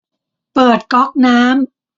เปิดก๊อกน้ำ